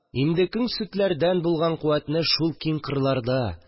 Имдекең сөтләрдән булган куәтне шул киң кырларда